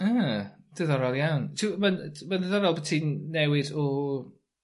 Yyy. Diddorol iawn t'w- ma'n t- ma'n ddiddorol bo' ti'n newid o